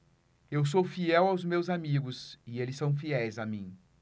eu sou fiel aos meus amigos e eles são fiéis a mim